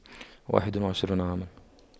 واحد وعشرون عاما